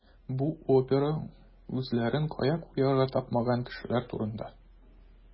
Бу опера үзләрен кая куярга тапмаган кешеләр турында.